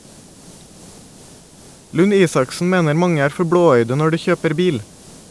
Lund-Isaksen mener mange er for blåøyde når de kjøper bil.